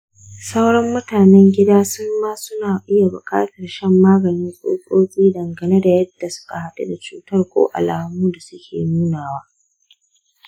sauran mutanen gida su ma suna iya buƙatar shan maganin tsutsotsi dangane da yadda suka haɗu da cutar ko alamun da suke nunawa.